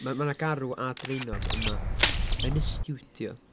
M- mae 'na garw a draenog yma, yn y stiwdio.